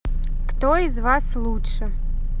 кто из вас лучше